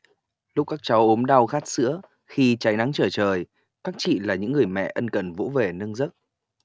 lúc các cháu ốm đau khát sữa khi trái nắng trở trời các chị là những người mẹ ân cần vỗ về nâng giấc